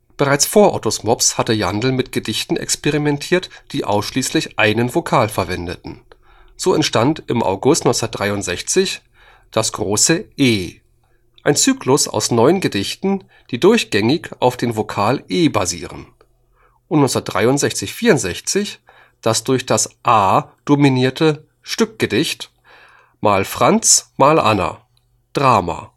Bereits vor ottos mops hatte Jandl mit Gedichten experimentiert, die ausschließlich einen Vokal verwenden. So entstand im August 1963 das große e, ein Zyklus aus neun Gedichten, die durchgängig auf dem Vokal e basieren, und 1963 / 64 das durch das a dominierte Stückgedicht mal franz mal anna (drama